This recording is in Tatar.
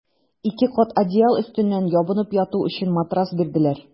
Ике кат одеял өстеннән ябынып яту өчен матрас бирделәр.